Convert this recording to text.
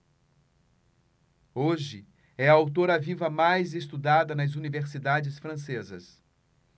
hoje é a autora viva mais estudada nas universidades francesas